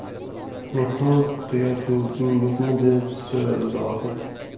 mehmon kutyatuvdingizmi deb so'radi zohid